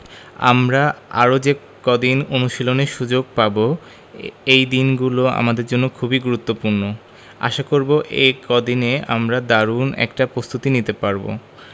আমরা আরও যে কদিন অনুশীলনের সুযোগ পাব এই দিনগুলো আমাদের জন্য খুবই গুরুত্বপূর্ণ আশা করব এই কদিনে আমরা দারুণ একটা প্রস্তুতি নিতে পারব